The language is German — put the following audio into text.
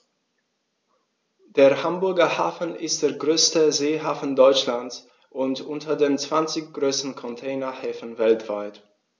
Der Hamburger Hafen ist der größte Seehafen Deutschlands und unter den zwanzig größten Containerhäfen weltweit.